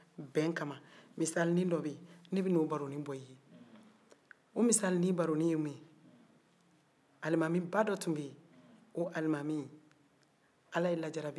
o misalinin baronin ye min ye alimamiba dɔ tun bɛ yen o alimami ala ye lajarabi de se ale ma